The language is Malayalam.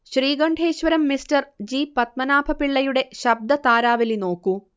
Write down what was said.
ശ്രീകണ്ഠേശ്വരം മിസ്റ്റർ ജി പത്മനാഭപിള്ളയുടെ ശബ്ദതാരാവലി നോക്കൂ